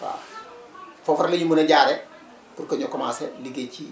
waaw foofu rek la ñu mën a jaaree pour que ñu commencer liggéey ci